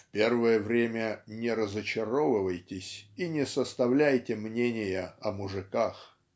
"В первое время не разочаровывайтесь и не составляйте мнения о мужиках".